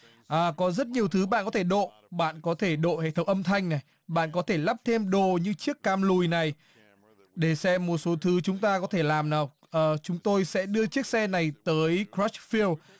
à có rất nhiều thứ bạn có thể độ bạn có thể độ hệ thống âm thanh này bạn có thể lắp thêm đồ như chiếc cam lùi này để xem một số thứ chúng ta có thể làm nào ờ chúng tôi sẽ đưa chiếc xe này tới cót phiêu